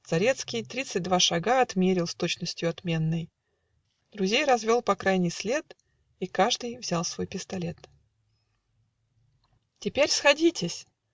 Зарецкий тридцать два шага Отмерил с точностью отменной, Друзей развел по крайний след, И каждый взял свой пистолет. "Теперь сходитесь".